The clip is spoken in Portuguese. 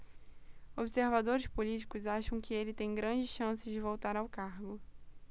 observadores políticos acham que ele tem grandes chances de voltar ao cargo